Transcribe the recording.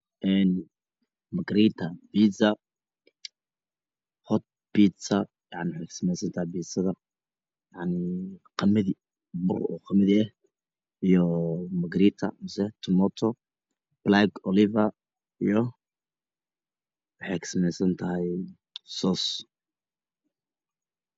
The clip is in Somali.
Eenmekerita bidsa hot bidsa waxeykasameysantahay qamadi burqamadi iyo megerita mise tamoto bac oli iyo waxeykasameysantahay sos